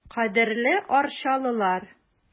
Кадерле арчалылар!